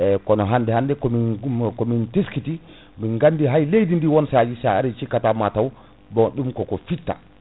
eyyi kono hande hande komin komin teksiti min gandi hay kleydi ndi won sahaji sa ari cikkata mataw bon ɗum koko fitta